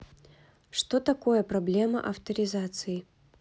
что такое проблема авторизации